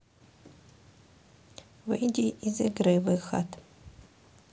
выйди из игры выход